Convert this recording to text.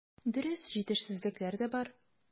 Дөрес, җитешсезлекләр дә бар.